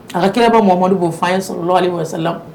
A ka kiraba mɔmadu ko fa ye sɔrɔ la wala